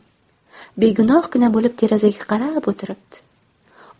begunohgina bo'lib derazaga qarab o'tiribdi